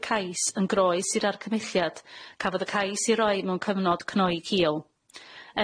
y cais yn groes i'r arcymhelliad cafodd y cais 'i roi mewn cyfnod cnoi cil.